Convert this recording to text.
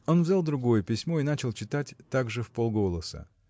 Он взял другое письмо и начал читать также вполголоса.